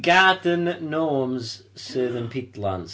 Garden gnomes sydd yn pidlans.